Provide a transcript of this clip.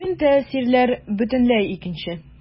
Бүген тәэсирләр бөтенләй икенче.